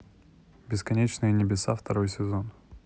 бесконечные небеса второй сезон